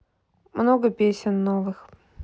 много песен новых